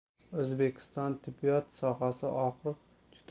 o'zbekiston tibbiyot sohasi